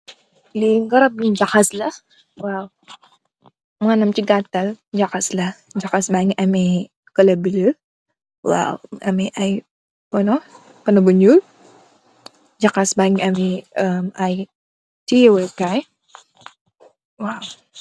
Li ngarap bunj jakhass la waw manam si gatal njakhass la njakhass bange ame colour blue waw munge ame aye punoh bu nyul jakhass bange ame aye teyehwe kai